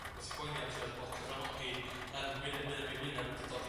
r'wbath i boeni am 'llu o'dd bod cyfranogi yym gwyneb i wyneb wedi dod i